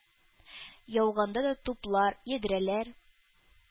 Яуганда да туплар, ядрәләр,